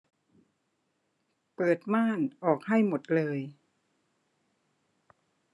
เปิดม่านออกให้หมดเลย